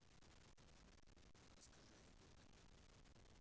расскажи анекдоты